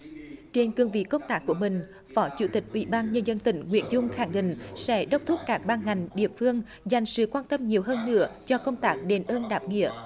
trên cương vị công tác của mình phó chủ tịch ủy ban nhân dân tỉnh nguyễn dung khẳng định sẽ đốc thúc các ban ngành địa phương dành sự quan tâm nhiều hơn nữa cho công tác đền ơn đáp nghĩa